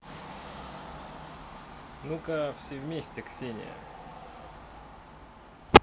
ну ка все вместе ксения